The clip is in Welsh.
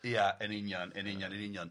Ia yn union yn union yn union.